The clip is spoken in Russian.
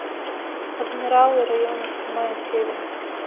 адмиралы района седьмая серия